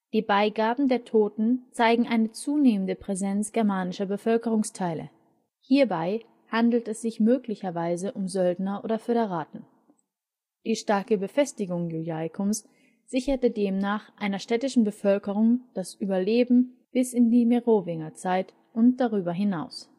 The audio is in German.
Die Beigaben der Toten zeigen eine zunehmende Präsenz germanischer Bevölkerungsteile. Hierbei handelt es möglicherweise um Söldner oder Föderaten. Die starke Befestigung Iuliacums sicherte demnach einer städtischen Bevölkerung das Überleben bis in die Merowingerzeit und darüber hinaus